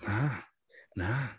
Na, na.